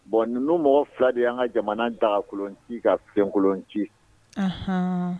Bon ninnu mɔgɔ fila de y'an ka jamana dakolon ci ka fikolon ci